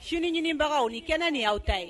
Siniɲinibagaw ni kɛnɛ nin y awaw ta ye